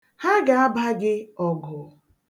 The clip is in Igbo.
Ha ga-aba gị ọgụ.